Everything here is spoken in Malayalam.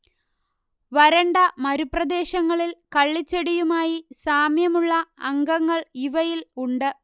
വരണ്ട മരുപ്രദേശങ്ങളിൽ കള്ളിച്ചെടിയുമായി സാമ്യമുള്ള അംഗങ്ങൾ ഇവയിൽ ഉണ്ട്